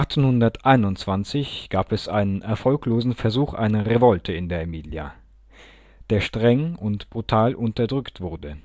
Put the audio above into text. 1821 gab es einen erfolglosen Versuch einer Revolte in der Emilia, der streng und brutal unterdrückt wurde